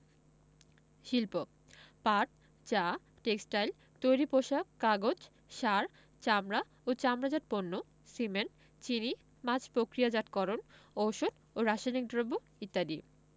শিল্পঃ পাট চা টেক্সটাইল তৈরি পোশাক কাগজ সার চামড়া ও চামড়াজাত পণ্য সিমেন্ট চিনি মাছ পক্রিয়াজাতকরণ ঔষধ ও রাসায়নিক দ্রব্য ইত্যাদি